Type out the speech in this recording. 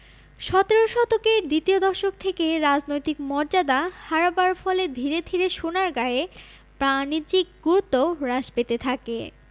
সতেরো শতকের দ্বিতীয় দশক থেকে রাজনৈতিক মর্যাদা হারাবার ফলে ধীরে ধীরে সোনারগাঁয়ের বাণিজ্যিক গুরুত্বও হ্রাস পেতে থাকে